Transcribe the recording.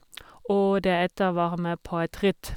Og deretter være med på et ritt.